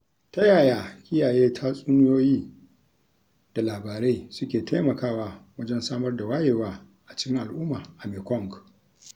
Ta yaya kiyaye tatsuniyoyi da labarai suke taimakawa wajen samar da wayewa a cikin al'umma a Mekong